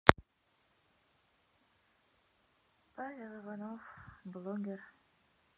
павел иванов блогер